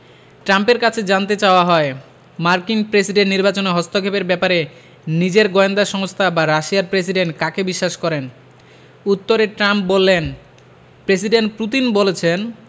ট্রাম্পের কাছে জানতে চাওয়া হয় মার্কিন প্রেসিডেন্ট নির্বাচনে হস্তক্ষেপের ব্যাপারে নিজের গোয়েন্দা সংস্থা বা রাশিয়ার প্রেসিডেন্ট কাকে বিশ্বাস করেন উত্তরে ট্রাম্প বললেন প্রেসিডেন্ট পুতিন বলেছেন